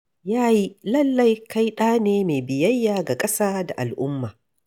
Ya yi, lallai kai ɗa ne mai biyayya ga ƙasa da al'umma.